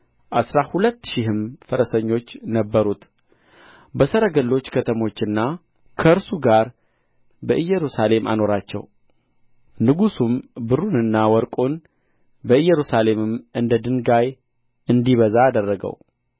አሥራ ሁለት ሺህም ፈረሰኞች ነበሩት በሰረገሎች ከተሞችና ከእርሱ ጋር በኢየሩሳሌም አኖራቸው ንጉሡም ብሩንና ወርቁን በኢየሩሳሌም እንደ ድንጋይ እንዲበዛ አደረገው